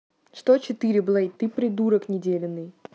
что четыре блейд придурок наделенный